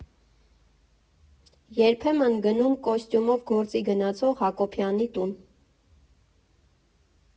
Երբեմն՝ գնում կոստյումով գործի գնացող Հակոբյանի տուն։